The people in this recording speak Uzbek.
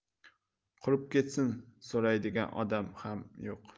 qurib ketsin so'raydigan odam ham yo'q